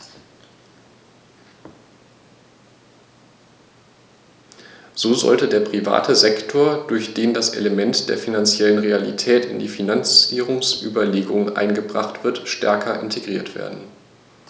So sollte der private Sektor, durch den das Element der finanziellen Realität in die Finanzierungsüberlegungen eingebracht wird, stärker integriert werden.